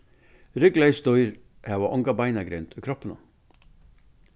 ryggleys dýr hava onga beinagrind í kroppinum